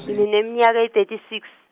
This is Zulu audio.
ngineminyaka e- thirty six.